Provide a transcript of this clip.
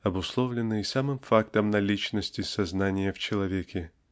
обусловленный самым фактом наличности сознания в человеке.